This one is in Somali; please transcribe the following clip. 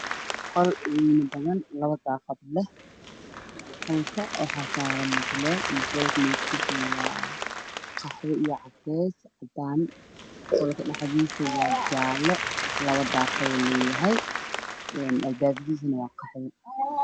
Waa qol mutuuleelka waa caddaan iyo madow darbiyada waa jaalo laba daaqad ayaa furan leer ayaa ka daaran